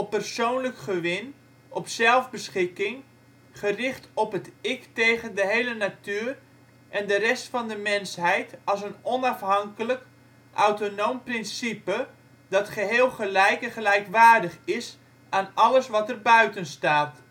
persoonlijk gewin, op zelfbeschikking, gericht op het ik tegen de hele natuur en de rest van de mensheid als een onafhankelijk, autonoom principe dat geheel gelijk en gelijkwaardig is aan alles wat erbuiten staat